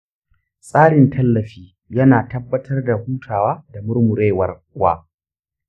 tsarin tallafi yana tabbatar da hutawa da murmurewar uwa.